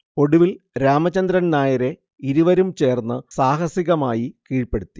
ഒടുവിൽ രാമചന്ദ്രൻ നായരെ ഇരുവരും ചേർന്നു സാഹസികമായി കീഴ്പെടുത്തി